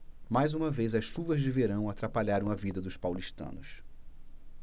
mais uma vez as chuvas de verão atrapalharam a vida dos paulistanos